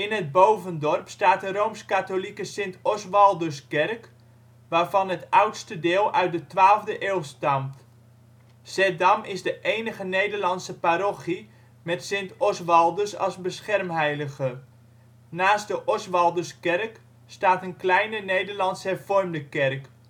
het Bovendorp staat de rooms-katholieke Sint Oswalduskerk waarvan het oudste deel uit de 12e eeuw stamt. Zeddam is de enige Nederlandse parochie met Sint Oswaldus als beschermheilige. Naast de Oswalduskerk staat een kleine Nederlands Hervormde kerk